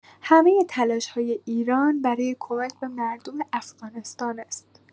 همه تلاش‌های ایران برای کمک به مردم افغانستان است.